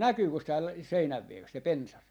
näkyykös täällä seinän vieressä se pensas